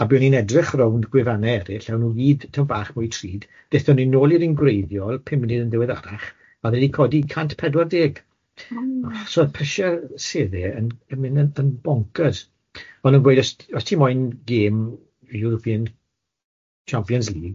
a buon ni'n edrych rownd gwefanne erill a o'n n'w gyd tymed bach mwy drud, dethon ni nôl i'r un gwreiddiol pum munud yn ddiweddarach a o'dd e 'di codi cant pedwar deg so o'dd prisie sedde yn yn mynd yn boncyrs! O'n nw'n gweud os ti os ti moyn gêm fel gêm Champions League,